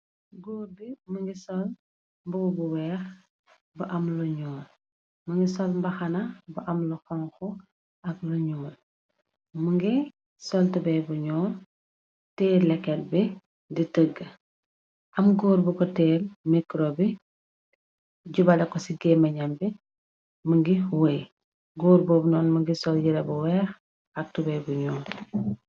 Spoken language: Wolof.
Góor bi mongi sol mbobu bu weex bu am lu nuul mongi sol mbaxana bu am lu xonku ak lu nuul mungi sol tubai bu nuul teye leket bi di tegga am góor bu ko teel mikro bi jubale ko ci géeme nam bi mongi wooy góor bobu nonu mongi sol yere bu weex ak tubey bu nuul.